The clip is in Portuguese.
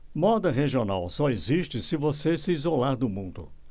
moda regional só existe se você se isolar do mundo